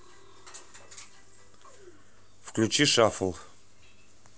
включи шафл